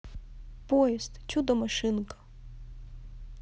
поезд чудо машинка